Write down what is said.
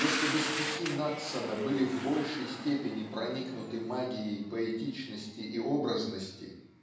Если бы стихи Надсона были в большей степени проникнуты магией поэтичности и образности